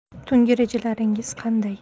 tungi rejalaringiz qanday